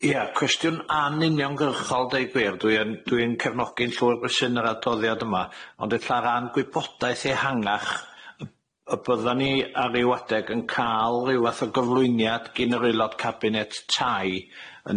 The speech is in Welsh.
Ia cwestiwn anuniongyrchol deud gwir dwi yn dwi'n cefnogi'n llwyr be syn yr adroddiad yma ond ella ran gwybodaeth ehangach yy y byddan ni ar ryw adeg yn ca'l ryw fath o gyflwyniad gin yr aelod cabinet tai yn